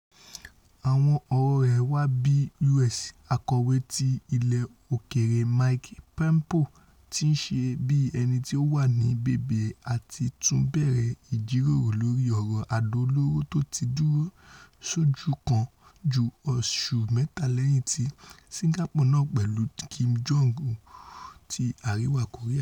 Àwọn ọ̀rọ̀ rẹ̀ wá bí US. Akọwe ti Ilẹ̀ Òkèèrè Mike Pompeo ti ńṣe bí ẹnití ó wà ní bèbe àtítúnbẹ̀rẹ̀ ìjíròrò lórí ọ̀rọ̀ àdó olóró tóti dúró sójú kan ju oṣù mẹ́ta lẹ́yìn ti Singapore náà pẹ̀lú Kim Jong Un ti Àríwá Kòríà.